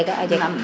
a jega ajega